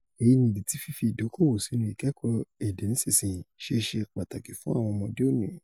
Èyí ní ìdí tí fífi ìdókòòwò sínú ìkẹ́kọ̀ọ́ èdè nísinsìnyí ṣeṣe pàtàkì fún àwọn ọmọdé òde-òní.